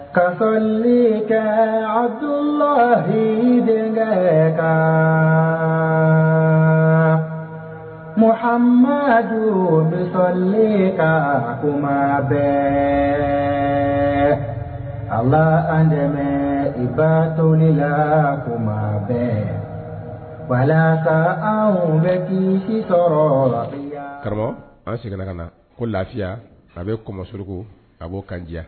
Ka sɔ kɛ a don kɛ ka mɔgɔ ma dogo sɔlen ka koma bɛ a la an dɛmɛ i batɔ lakoma bɛɛ walasa an tun bɛ k sɔrɔ la karamɔgɔ an seginna ka na ko lafiya a bɛ kɔma suruku a b'o ka diya